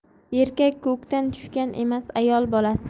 erkak ko'kdan tushgan emas ayol bolasi